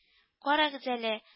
— карагыз әле